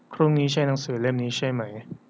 พรุ่งนี้ใช้หนังสือเล่มนี้ใช่ไหม